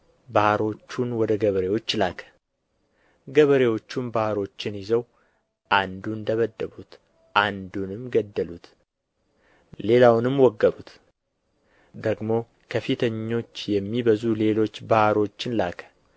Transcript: ባሮቹን ወደ ገበሬዎች ላከ ገበሬዎቹም ባሮቹን ይዘው አንዱን ደበደቡት አንዱንም ገደሉት ሌላውንም ወገሩት ደግሞ ከፊተኞች የሚበዙ ሌሎች ባሮችን ላከ